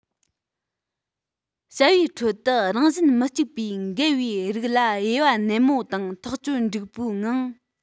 བྱ བའི ཁྲོད དུ རང བཞིན མི གཅིག པའི འགལ བའི རིགས ལ དབྱེ བ ནན མོ དང ཐག གཅོད འགྲིག པོའི ངང